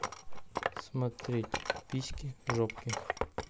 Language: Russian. смотреть письки жопки